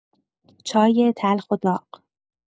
چای تلخ و داغ